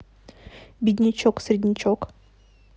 беднячок середнячок